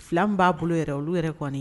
2 min b'a bolo olu yɛrɛ kɔni.